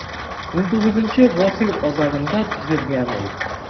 XIX гасыр азагында төзелгән ул.